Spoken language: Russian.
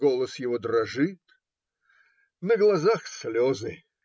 Голос его дрожит, на глазах слезы.